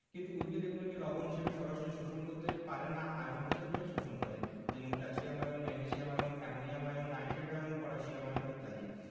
কিন্তু উদ্ভিদ এগুলোকে লবণ হিসেবে সরাসরি শোষণ করতে পারে না আয়ন হিসেবে শোষণ করে যেমন calcium ion magnesium ion ammonium ion nitrate ion potassium ion ইত্যাদি